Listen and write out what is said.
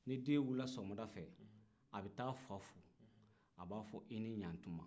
ni den wulila sɔgɔmada fɛ a bɛ taa fa fo a b'a fɔ i ni ɲaatuma